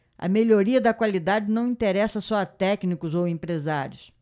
a melhoria da qualidade não interessa só a técnicos ou empresários